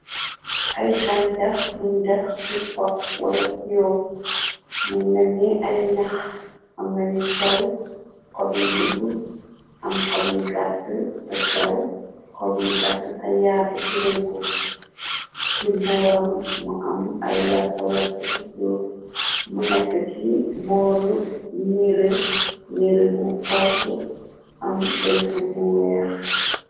Ay gancax buñu def ci port wala fiof miy nenni ay ñax amnay sew xob yi gudd am xob yi gàtt te sew kob yi gàtt te yaatu fireko ci booram mu am ay werxa werfasi mu nekk ci booru niire niire bu koosu am pentur bu weex.